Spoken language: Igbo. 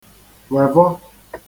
wèvọ